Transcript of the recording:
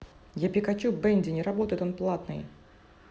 я пикачу бенди не работает он платный